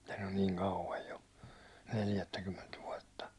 siitähän on niin kauan jo neljättäkymmentä vuotta